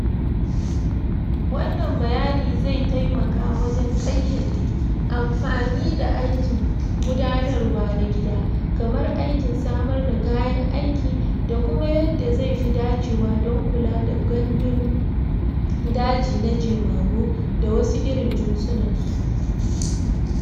Wannan bayani zai taimaka wajen ƙayyade amfani da aikin gudanarwa na gida kamar aikin samar da kayan aiki da kuma yadda zai fi dacewa don kula da gandun daji na jemagu da wasu irin jinsuna su.